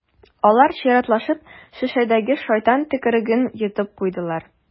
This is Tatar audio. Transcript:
Алар чиратлашып шешәдәге «шайтан төкереге»н йотып куйдылар.